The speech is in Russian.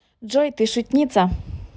джой ты шутница